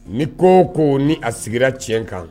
Ni ko ko ni a sigira tiɲɛ kan